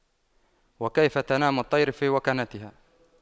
وكيف تنام الطير في وكناتها